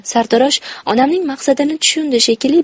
sartarosh onamning maqsadini tushundi shekilli